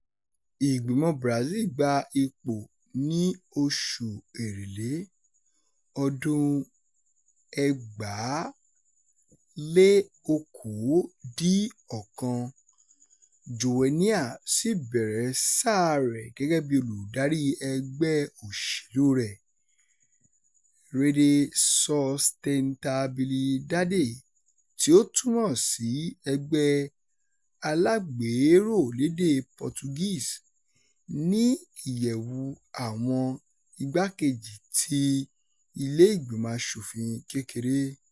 Ìgbìmọ̀ Brazil gba ipò ní oṣù Èrèlé 2019, Joênia sì bẹ̀rẹ̀ sáà rẹ̀ gẹ́gẹ́ bí olùdarí ẹgbẹ́ òṣèlú rẹ̀, Rede Sustentabilidade (tí ó túmọ̀ sí Ẹgbẹ́ Alágbèéró lédè Portuguese) ní ìyẹ̀wù àwọn igbá-kejì ti ilé ìgbìmọ̀ aṣòfin kékeré.